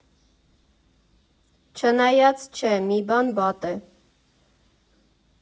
Չնայած չէ, մի բան վատ է.